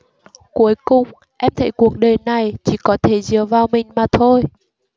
cuối cùng em thấy cuộc đời này chỉ có thể dựa vào mình mà thôi